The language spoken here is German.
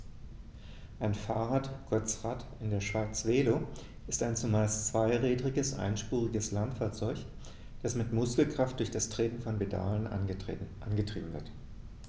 Ein Fahrrad, kurz Rad, in der Schweiz Velo, ist ein zumeist zweirädriges einspuriges Landfahrzeug, das mit Muskelkraft durch das Treten von Pedalen angetrieben wird.